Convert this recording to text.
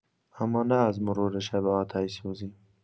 اما نه از مرور شب آتش‌سوزی.